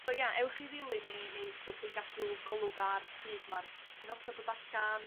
So ia ewch i ddilyn ni neu gewch chi gadw golwg ar pryd ma'r penoda'n dod allan